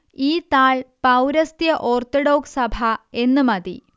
ഈ താൾ പൗരസ്ത്യ ഓർത്തഡോക്സ് സഭ എന്ന് മതി